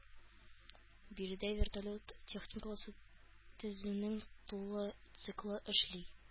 Биредә вертолет техникасы төзүнең тулы циклы эшли